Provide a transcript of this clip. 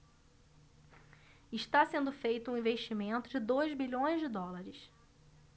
está sendo feito um investimento de dois bilhões de dólares